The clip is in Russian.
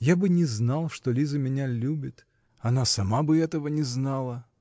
Я бы не знал, что Лиза меня любит; она сама бы этого не знала".